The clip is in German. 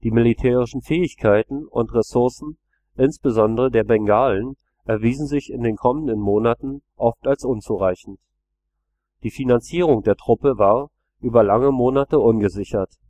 militärischen Fähigkeiten und Ressourcen insbesondere der Bengalen erwiesen sich in den kommenden Monaten oft als unzureichend. Die Finanzierung der Truppe war über lange Monate ungesichert